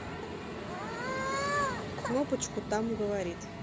кнопочку там говорит